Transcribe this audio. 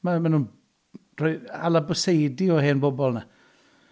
Mae... maen nhw rhoi... hala byseidi o hen bobl yna.